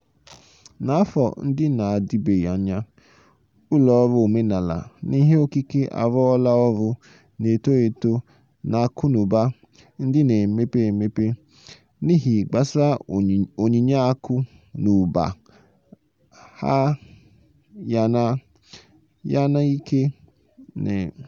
N'afọ ndị na-adịbeghị anya, ụlọ ọrụ omenala na ihe okike arụọla ọrụ na-eto eto n'akụnụba ndị na-emepe emepe, n'ihe gbasara onyinye akụ na ụba ha yana ike ha nwere ime mgbanwe mmekọrịta mmadụ na ibe ya na itinye aka na ọdibendị.